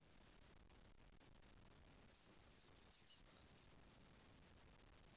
жить не запретишь канги